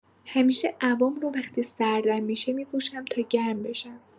همیشه عبام رو وقتی سردم می‌شه می‌پوشم تا گرم بشم.